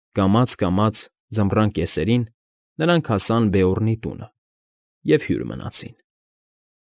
Կամաց֊կամաց, ձմռան կեսերին, նրանք հասան Բեորնի տունը և հյուր մնացին։